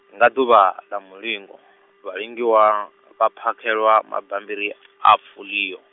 nga ḓuvha ḽa mulingo, vhalingiwa, vha phakhelwa, mabambiri, a foḽio.